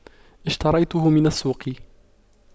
اشتريته من السوق